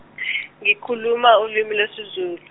ngikhuluma ulimi lwesiZulu.